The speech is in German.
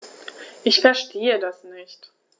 Ich verstehe das nicht.